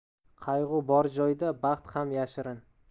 qayg'u bor joyda baxt ham yashirin